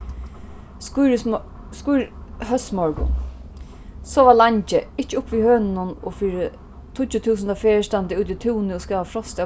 sova leingi ikki upp við hønunum og fyri tíggju túsunda ferð standa úti í túni og skava frost av